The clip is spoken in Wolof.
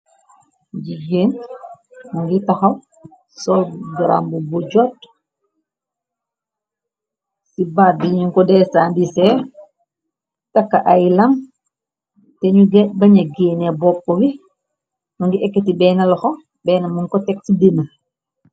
jigeen ngi taxaw sol gramb bu jott ci bar bi nu ko deestaandi seex takka ay lan te nu banagéene bopp wi nungi ekkati benn loxo benn mun ko teg ci dinah.